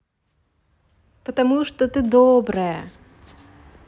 потому что ты добрая